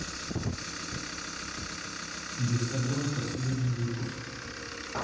бесогон последний выпуск